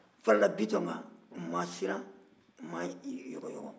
u farala bitɔn kan u ma siran u ma yɔgɔyɔgɔ